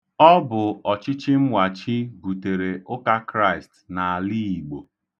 Ọ bụ ọchịchịmwachi butere Ụkakraịst n'ala Igbo.